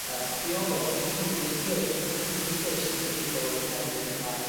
yym a be oddo Wicimidia iw ce so Wicimidia iw ce sy'n gyfrifol am y gangen yma